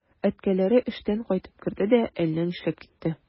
Әткәләре эштән кайтып керде дә әллә нишләп китте.